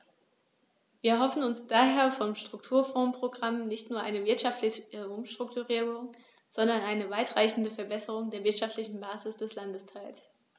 Wir erhoffen uns daher vom Strukturfondsprogramm nicht nur eine wirtschaftliche Umstrukturierung, sondern eine weitreichendere Verbesserung der wirtschaftlichen Basis des Landesteils.